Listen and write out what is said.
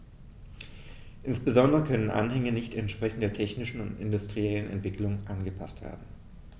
Insbesondere können Anhänge nicht entsprechend der technischen und industriellen Entwicklung angepaßt werden.